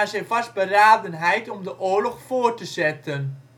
zijn vastberadenheid om de oorlog voort te zetten